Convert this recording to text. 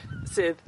sydd